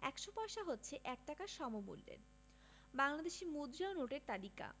১০০ পয়সা হচ্ছে ১ টাকার সমমূল্যের বাংলাদেশি মুদ্রা ও নোটের তালিকাঃ